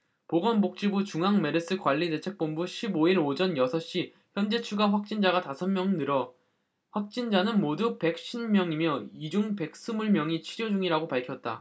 보건복지부 중앙메르스관리대책본부 십 오 일 오전 여섯 시 현재 추가 확진자가 다섯 명 늘어 확진자는 모두 백 쉰 명이며 이 중 백 스물 명이 치료 중이라고 밝혔다